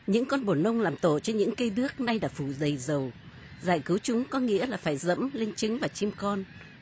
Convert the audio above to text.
những con bồ nông làm tổ trên những cây đước nay đã phủ đầy dầu giải cứu chúng có nghĩa là phải dẫm lên trứng và chim con